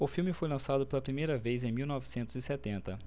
o filme foi lançado pela primeira vez em mil novecentos e setenta